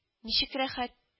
Ничек рәхәт